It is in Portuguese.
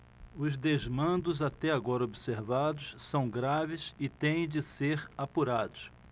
os desmandos até agora observados são graves e têm de ser apurados